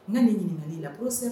N ka nin ɲininkali la